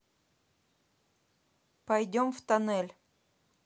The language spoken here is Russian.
пойдем в тоннель